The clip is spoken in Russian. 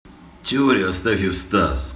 теория астафьев стас